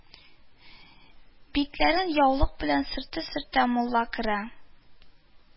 Битләрен яулык белән сөртә-сөртә, Мулла керә